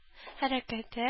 Хәрәкәте